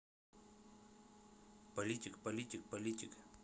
политик политик политик